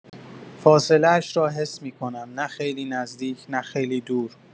فاصله‌اش را حس می‌کنم، نه خیلی نزدیک، نه خیلی دور.